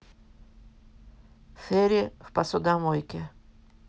фери в посудомойке